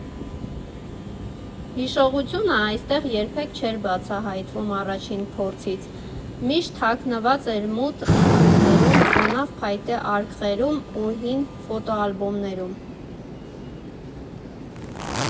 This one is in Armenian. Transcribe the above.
Հիշողությունը այստեղ երբեք չէր բացահայտվում առաջին փորձից, միշտ թաքնված էր մութ նկուղներում, խոնավ փայտե արկղերում ու հին ֆոտոալբոմներում։